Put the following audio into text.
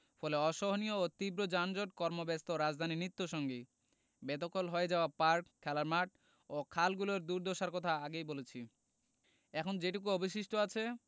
ফলে অসহনীয় ও তীব্র যানজট কর্মব্যস্ত রাজধানীর নিত্যসঙ্গী বেদখল হয়ে যাওয়া পার্ক খেলার মাঠ ও খালগুলোর দুর্দশার কথা আগে বলেছি এখন যেটুকু অবশিষ্ট আছে